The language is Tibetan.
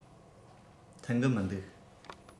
མཐུན གི མི འདུག